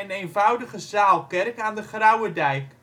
eenvoudige zaalkerk aan de Graauwedijk